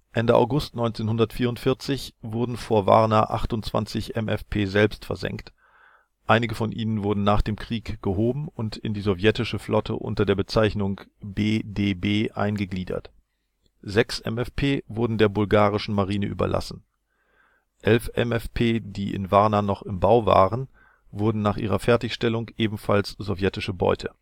Ende August 1944 wurden vor Warna 28 MFP selbsversenkt. Einige von ihnen wurden nach dem Krieg gehoben und in die sowjetische Flotte unter der Bezeichnung BDB eingegliedert. Sechs MFP wurden der bulgarischen Marine überlassen. Elf MFP, die in Warna noch im Bau waren, wurden nach ihrer Fertigstellung ebenfalls sowjetische Beute